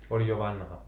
oli jo vanha